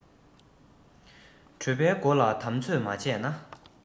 གྲོད པའི སྒོ ལ བསྡམ ཚོད མ བྱས ན